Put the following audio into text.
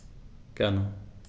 Gerne.